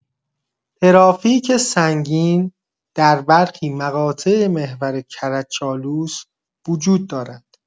ترافیک سنگین در برخی مقاطع محور کرج چالوس وجود دارد.